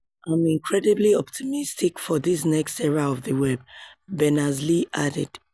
"I'm incredibly optimistic for this next era of the web," Berners-Lee added.